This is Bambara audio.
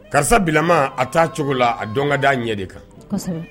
Karisa bilama a taa cogo la a dɔn ka d a ɲɛ de kan